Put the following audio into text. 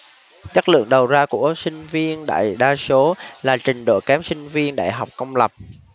chất lượng đầu ra của sinh viên đại đa số là trình độ kém sinh viên đại học công lập